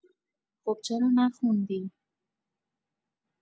خب چرا نخوندی؟